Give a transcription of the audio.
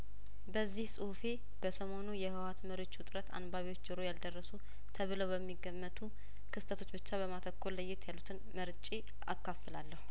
በዚህ ጹሁፌ በሰሞኑ የህወሀት መሪዎች ውጥረት አንባቢዎች ጆሮ ያልደረሱ ተብለው በሚገመቱ ክስተቶች ብቻ በማተኮር ለየት ያሉትን መርጬ አካፍላለሁ